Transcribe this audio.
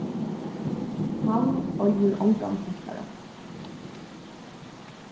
hann eigur ongan prentara